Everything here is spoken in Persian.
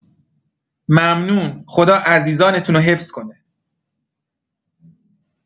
ممنون خدا عزیزانتونو حفظ کنه